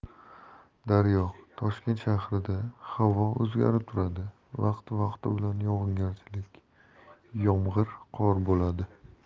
daryo toshkent shahrida havo o'zgarib turadi vaqti vaqti bilan yog'ingarchilik yomg'ir qor bo'ladi